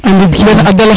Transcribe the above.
andid ki num